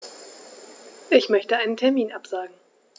Ich möchte einen Termin absagen.